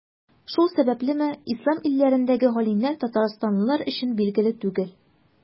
Шул сәбәплеме, Ислам илләрендәге галимнәр Татарстанлылар өчен билгеле түгел.